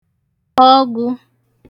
ọgū